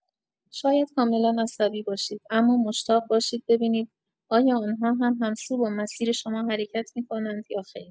شاید کاملا عصبی باشید، اما مشتاق باشید ببینید آیا آن‌ها هم هم‌سو با مسیر شما حرکت می‌کنند یا خیر.